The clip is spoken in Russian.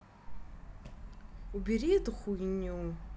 убери эту хуйню